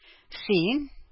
Син